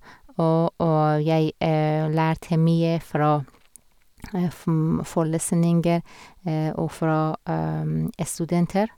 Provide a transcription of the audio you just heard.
og Og jeg lærte mye fra fm forelesninger og fra studenter.